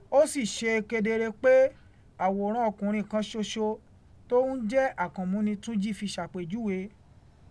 Ó sì ṣe kedere pé, àwòrán ọkùnrin kan ṣoṣo tó ń jẹ́ Àkànmú ni Túńjí fi ṣàpèjúwe.